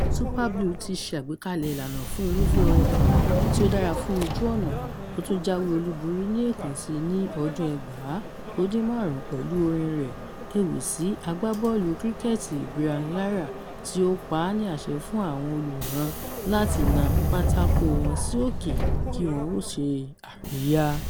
Super Blue tí ṣe àgbékalẹ̀ ìlànà fún irúfẹ́ orin kan tí ó dára fún ojú ọ̀nà: ó tún jáwé olúborí ní èèkàn sí i ní ọdún-un 1995 pẹ̀lú orin-in rẹ̀ ewì sí agbábọ́ọ̀lù kríkẹ́ẹ̀tì Brian Lara, tí ó pa á ní àṣẹ fún àwọn olùwòran láti "na pátákóo wọn sí òkè kí wọn ó ṣe àríyá".